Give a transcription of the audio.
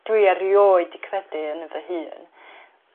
dwi erioed 'di credu yn fy hun